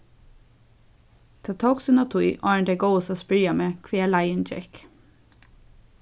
tað tók sína tíð áðrenn tey góvust at spyrja meg hvagar leiðin gekk